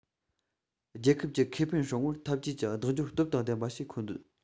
རྒྱལ ཁབ ཀྱི ཁེ ཕན སྲུང བར འཐབ ཇུས ཀྱི འདེགས སྐྱོར སྟོབས དང ལྡན པ ཞིག མཁོ འདོན